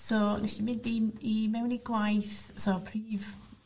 So nesh i mynd i i mewn i gwaith so prif